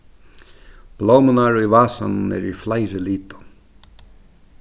blómurnar í vasanum eru í fleiri litum